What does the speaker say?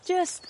jyst